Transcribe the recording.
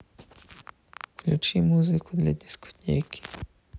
включи музыку для дискотеки